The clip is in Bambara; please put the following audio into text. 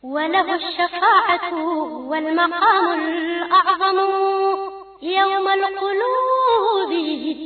Wabugu wa yoma